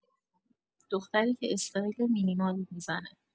دختری که استایل مینیمال می‌زنه